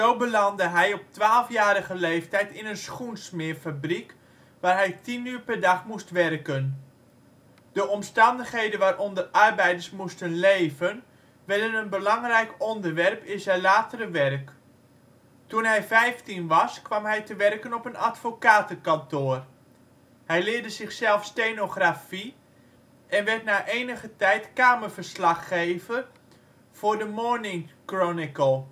belandde hij op twaalfjarige leeftijd in een schoensmeerfabriek waar hij tien uur per dag moest werken. De omstandigheden waaronder arbeiders moesten leven werden een belangrijk onderwerp in zijn latere werk. Toen hij vijftien was, kwam hij te werken op een advocatenkantoor. Hij leerde zichzelf stenografie en werd na enige tijd kamerverslaggever voor de Morning Chronicle